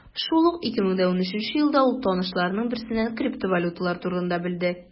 Шул ук 2013 елда ул танышларының берсеннән криптовалюталар турында белде.